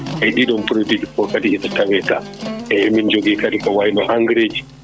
eyyi ɗiɗon produit ji fof kadi iɗe tawe ga eyyi emin jodui kadi ko wayno engrais ji